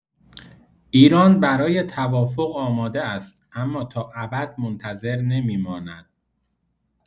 ایران برای توافق آماده است، اما تا ابد منتظر نمی‌ماند.